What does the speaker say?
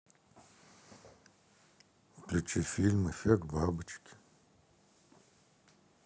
включи фильм эффект бабочки